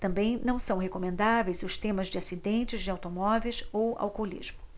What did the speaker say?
também não são recomendáveis os temas de acidentes de automóveis ou alcoolismo